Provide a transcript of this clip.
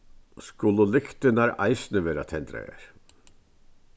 skulu lyktirnar eisini vera tendraðar